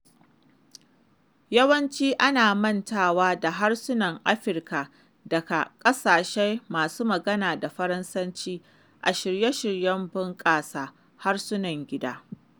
Yawanci ana mantawa da harsunan Afirka daga ƙasashe masu magana da Faransanci a shirye-shiryen bunƙasa harsunan gida.